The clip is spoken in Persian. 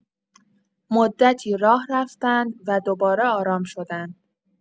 مدتی راه رفتند و دوباره آرام شدند.